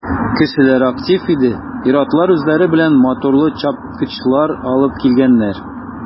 Кешеләр актив иде, ир-атлар үзләре белән моторлы чапкычлар алыпн килгәннәр.